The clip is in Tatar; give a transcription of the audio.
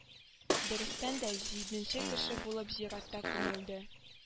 Дөрестән дә җиденче кеше булып зиратта күмелде